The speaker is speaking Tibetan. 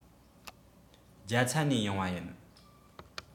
རྒྱ ཚ ནས ཡོང བ ཡིན